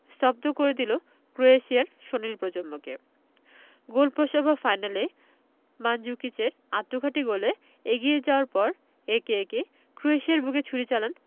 স্তব্ধ করে দিল ক্রোয়েশিয়ার সোনালি প্রজন্মকে গোলপ্রসবা ফাইনালে মানজুকিচের আত্মঘাতী গোলে এগিয়ে যাওয়ার পর একে একে ক্রোয়েশিয়ার বুকে ছুরি চালান